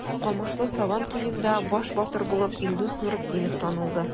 Камышлы Сабан туенда баш батыр булып Илдус Нуретдинов танылды.